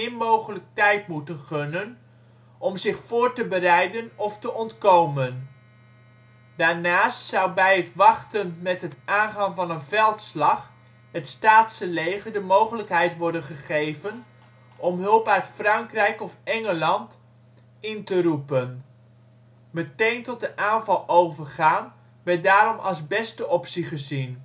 mogelijk tijd moeten gunnen om zich voor te bereiden of te ontkomen. Daarnaast zou bij het wachten met het aangaan van een veldslag het Staatse leger de mogelijkheid worden gegeven om hulp uit Frankrijk of Engeland in te roepen. Meteen tot de aanval overgaan werd daarom als beste optie gezien